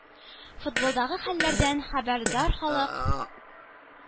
Футболдагы хәлләрдән хәбәрдар халык